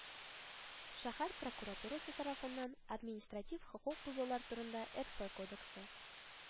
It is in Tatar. Шәһәр прокуратурасы тарафыннан Административ хокук бозулар турында РФ кодексы